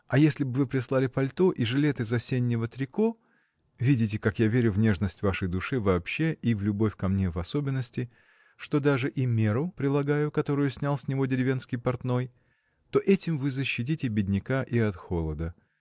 Да если б вы прислали пальто и жилет из осеннего трико (видите, как я верю в нежность вашей души вообще и в любовь ко мне в особенности, что даже и мерку прилагаю, которую снял с него деревенский портной!), то этим вы защитите бедняка и от холода.